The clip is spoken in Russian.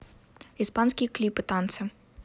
испанские клипы танцы